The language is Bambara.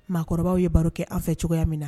Maakɔrɔba ye baro kɛ aw fɛ cogoya min na